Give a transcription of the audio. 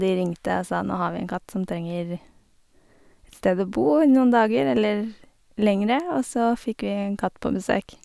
De ringte og sa nå har vi en katt som trenger et sted å bo i noen dager eller lengre, og så fikk vi en katt på besøk.